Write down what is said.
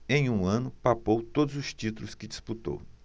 em um ano papou todos os títulos que disputou